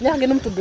ñax gi nu mu tudd